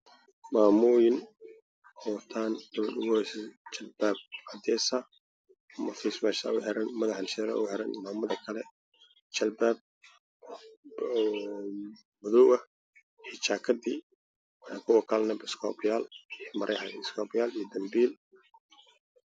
Meeshan ha isku imaaday gabdhafro badan waxa ay wataan xijaaba iyo dhacayo afka ayaa u xiran waxa ay wataan xaqiimo